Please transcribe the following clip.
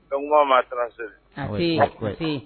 Dɔnku ma siranse